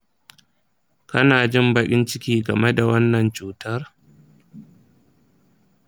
kana jin baƙin ciki game da wannan cutar?